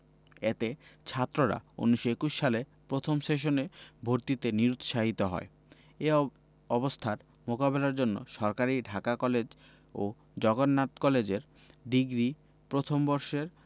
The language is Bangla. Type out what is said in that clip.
এতে ছাত্ররা ১৯২১ সালে প্রথম সেশনে ভর্তিতে নিরুৎসাহিত হয় এ অবস্থার মোকাবেলার জন্য সরকারি ঢাকা কলেজ ও জগন্নাথ কলেজের ডিগ্রি প্রথম বর্ষের